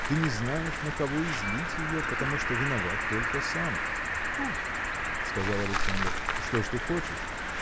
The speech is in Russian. ты не знаешь, на кого излить ее, потому что виноват только сам. – Пусть! – сказал Александр. – Что ж ты хочешь?